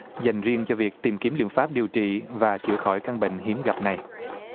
dành riêng cho việc tìm kiếm liệu pháp điều trị và chữa khỏi căn bệnh hiếm gặp này